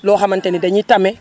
loo xamante ni dañuy tame